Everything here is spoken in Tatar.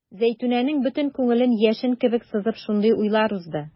Зәйтүнәнең бөтен күңелен яшен кебек сызып шундый уйлар узды.